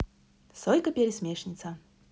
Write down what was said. сойка пересмешница